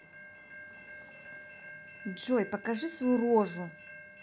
джой покажи свою рожу